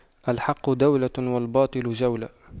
الحق دولة والباطل جولة